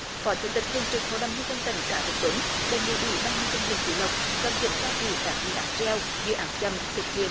phó chủ tịch thường trực hội đồng nhân dân tỉnh cái vĩnh tuấn đề nghị ủy ban nhân dân huyện phú lộc cần kiểm tra kỹ các dự án treo dự án chậm thực hiện